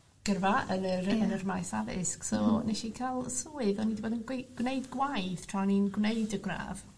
gyrfa yn yr yy yn yr maes addysg so nesh i ca'l swydd o'n i 'di bod yn gwei- gwneud gwaith tra o'n i'n gwneud y gradd...